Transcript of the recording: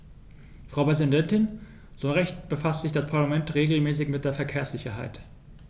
Frau Präsidentin, zu Recht befasst sich das Parlament regelmäßig mit der Verkehrssicherheit.